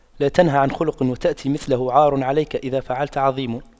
لا تنه عن خلق وتأتي مثله عار عليك إذا فعلت عظيم